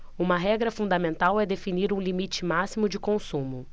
uma regra fundamental é definir um limite máximo de consumo